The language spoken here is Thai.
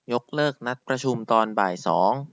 ยกเลิกนัดประชุมตอนบ่ายสอง